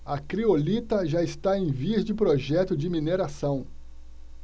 a criolita já está em vias de projeto de mineração